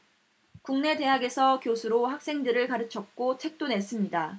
국내 대학에서 교수로 학생들을 가르쳤고 책도 냈습니다